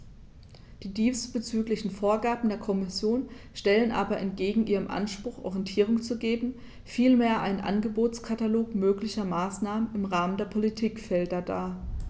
Die diesbezüglichen Vorgaben der Kommission stellen aber entgegen ihrem Anspruch, Orientierung zu geben, vielmehr einen Angebotskatalog möglicher Maßnahmen im Rahmen der Politikfelder dar.